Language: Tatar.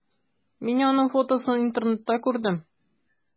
Мин аның фотосын интернетта күрдем.